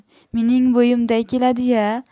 mening bo'yimday keladi ya